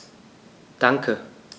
Danke.